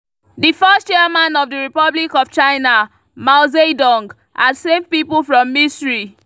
The first Chairman of the Republic of China Mao Zedong had saved people from misery.